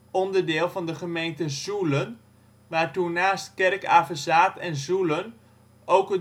onderdeel van de gemeente Zoelen, waartoe naast Kerk-Avezaath en Zoelen ook